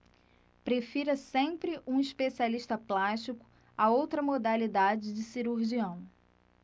prefira sempre um especialista plástico a outra modalidade de cirurgião